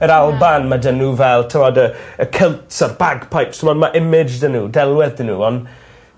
Yr Alban ma' 'da n'w fel t'mod y y kilts a bagpipes t'mod ma' image 'da n'w delwedd 'da n'w on'